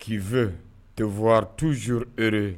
K'i2 tɛwa tuzo ere